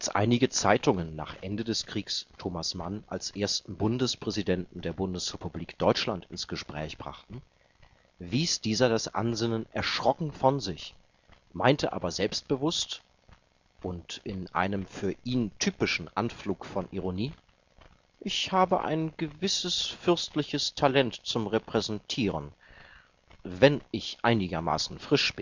einige Zeitungen nach Ende des Kriegs Thomas Mann als ersten Bundespräsidenten der Bundesrepublik Deutschland ins Gespräch brachten, wies dieser das Ansinnen erschrocken von sich, meinte aber selbstbewusst – und in einem für ihn typischen Anflug von Ironie: „ Ich habe ein gewisses fürstliches Talent zum Repräsentieren – wenn ich einigermaßen frisch